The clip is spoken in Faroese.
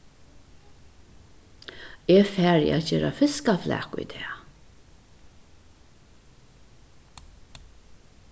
eg fari at gera fiskaflak í dag